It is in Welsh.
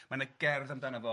Mae 'na gerdd amdano fo